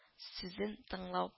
Сүзен тыңлау